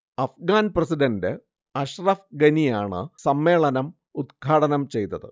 Afghan president Ashraf ഗനിയാണ് സമ്മേളനം ഉദ്ഘാടനം ചെയ്തത്